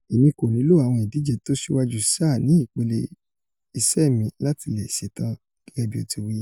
̀̀Èmi kò nílò àwọn ìdíje tósíwáju sáà ní ipele iṣẹ́ mi láti leè ṣetán,'' gẹgẹ bi otí wí.